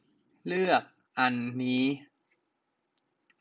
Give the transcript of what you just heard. เลือกอันนี้